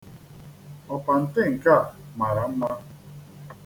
Ọpante nke a mara mma.